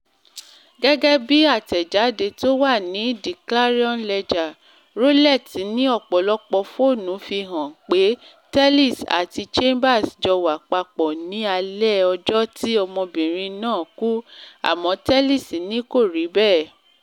Gẹ́gẹ́ bí àtẹ̀jáde tó wà ní The Clarion Ledger, Rowlett ní ọ̀pọ̀lọpọ̀ fóònù fi hàn pé Tellis àti Chambers jọ wà papọ̀ ní alẹ́ ọjọ́ tí ọmọbìnrin náà kú. Àmọ́ Tellis ní kò rí bẹ́ẹ̀.